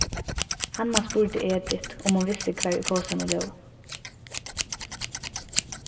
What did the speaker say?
hanna spurdi edit um hon visti hvar ið posarnir lógu